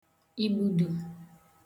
ìgbùdù